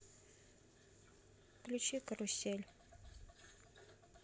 включи карусель